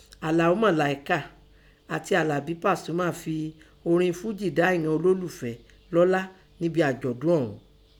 Àlàó Màláíkà àti Àlàbí Pàsúmà fẹ orin fújì dá ìghan olólùfẹ́ lọ́lá níbin àjọyọ̀ ọ̀ún.